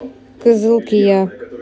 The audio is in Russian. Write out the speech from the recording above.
кызыл кия